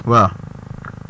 waa